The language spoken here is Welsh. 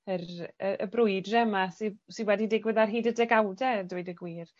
yr y y brwydre yma sydd sy wedi digwydd ar hyd y degawde â dweud y gwir.